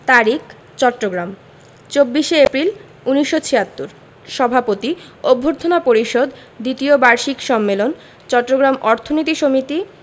তারিখ চট্টগ্রাম ২৪শে এপ্রিল ১৯৭৬ সভাপতি অভ্যর্থনা পরিষদ দ্বিতীয় বার্ষিক সম্মেলন চট্টগ্রাম অর্থনীতি সমিতি